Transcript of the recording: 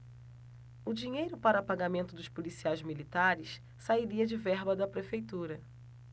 o dinheiro para pagamento dos policiais militares sairia de verba da prefeitura